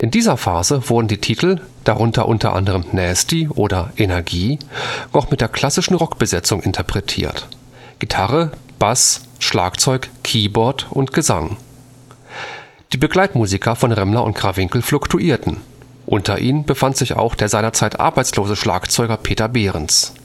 dieser Phase wurden die Titel, darunter unter anderem Nasty oder Energie, noch mit der klassischen Rockbesetzung interpretiert: Gitarre, Bass, Schlagzeug, Keyboard und Gesang. Die Begleitmusiker von Remmler und Krawinkel fluktuierten; unter ihnen befand sich auch der seinerzeit arbeitslose Schlagzeuger Peter Behrens